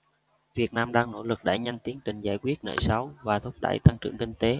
việt nam đang nỗ lực đẩy nhanh tiến trình giải quyết nợ xấu và thúc đẩy tăng trưởng kinh tế